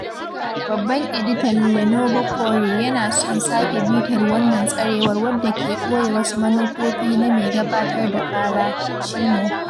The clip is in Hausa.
Babban editan “Le Nouveau Courrier” yana son sake bitar wannan tsarewar wanda ke ɓoye wasu manufofi na mai gabatar da ƙara, Tchimou.